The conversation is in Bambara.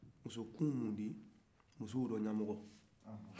muso kun ye mun ye musow ka ɲamɔkɔ